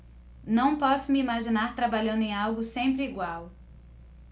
não posso me imaginar trabalhando em algo sempre igual